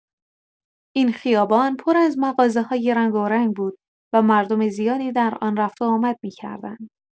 این خیابان پر از مغازه‌های رنگارنگ بود و مردم زیادی در آن رفت‌وآمد می‌کردند.